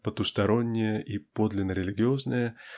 потустороннее и подлинно-религиозное